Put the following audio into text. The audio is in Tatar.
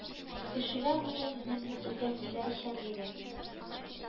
Кешегә бүген бизнес өлкәсендә эшчәнлеген